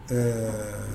Ɛɛ